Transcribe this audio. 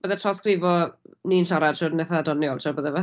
Bydde trawsgrifo ni'n siarad siŵr o fod yn itha doniol siŵr bydde fe?